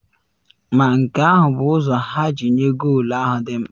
Ma nke ahụ bụ ụzọ ha ji nye goolu ahụ dị mkpa.